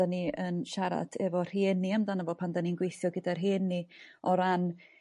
'dyn ni yn siarad efo rhieni amdano fo pan dan ni'n gweithio gyda rhieni o ran